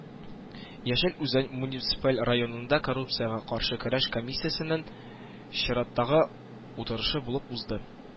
Яшел Үзән муниципаль районында коррупциягә каршы көрәш комиссиясенең чираттагы утырышы булып узды.